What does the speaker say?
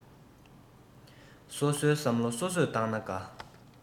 སོ སོའི བསམ བློ སོ སོས བཏང ན དགའ